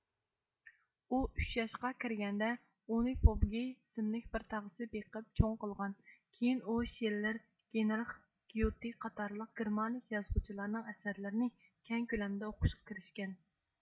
ئۇ ئۈچ ياشقا كىرگەندە ئۇنى فوبگې ئىسىملىك بىر تاغىسى بېقىپ چوڭ قىلغان كىيىن ئۇ شىللېر گېنىرخ گيۇتى قاتارلىق گېرمانىك يازغۇچىلارنىڭ ئەسەرلىرىنى كەڭ كۆلەمدە ئوقۇشقا كىرىشكەن